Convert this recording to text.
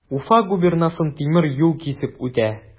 Уфа губернасын тимер юл кисеп үтә.